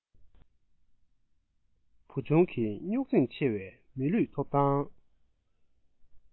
བུ ཆུང གི རྙོག འཛིང ཆེ བའི མི ལུས ཐོབ ཐང